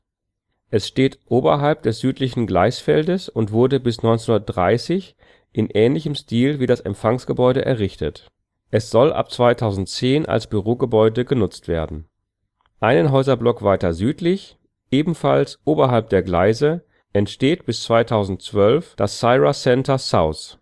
Es steht oberhalb des südlichen Gleisfeldes und wurde bis 1930 in ähnlichem Stil wie das Empfangsgebäude errichtet. Es soll ab 2010 als Bürogebäude genutzt werden. Einen Häuserblock weiter südlich, ebenfalls oberhalb der Gleise, entsteht bis 2012 das Cira Centre South